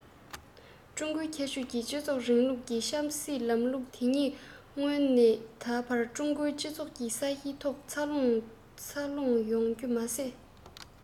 ཀྲུང གོའི ཁྱད ཆོས ཀྱི སྤྱི ཚོགས རིང ལུགས ཀྱི ཆབ སྲིད ལམ ལུགས དེ ཉིད སྔོན ནས ད བར ཀྲུང གོའི སྤྱི ཚོགས ཀྱི ས གཞིའི ཐོག འཚར ལོངས འཚར ལོངས ཡོང རྒྱུ མ ཟད